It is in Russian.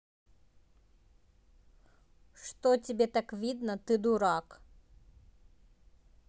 что тебе так видно ты дурак